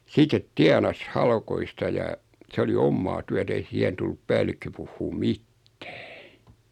sitten tienasi haloista ja se oli omaa työtä ei siihen tullut päällikkö puhumaan mitään